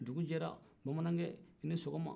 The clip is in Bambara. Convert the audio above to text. dugujɛra bamanankɛ i ni sɔgɔma